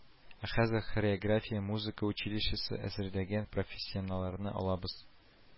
Ә хәзер хореография, музыка училищесы әзерләгән профессионалларны алабыз